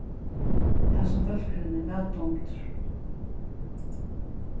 hasin bólkurin er væl dámdur